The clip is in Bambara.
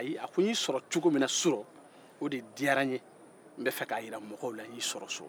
a ko n y'i sɔrɔ cogo min na surɔ o de diyara n ye n b'a fe ka jira mɔgɔw la ko n y'i sɔrɔ so